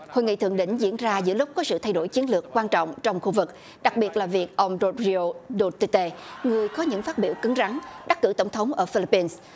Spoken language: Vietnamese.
hội nghị thượng đỉnh diễn ra giữa lúc có sự thay đổi chiến lược quan trọng trong khu vực đặc biệt là việc ông đô ri ô đô tê tê người có những phát biểu cứng rắn đắc cử tổng thống ở phi líp bin